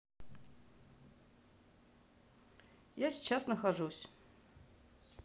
я сейчас нахожусь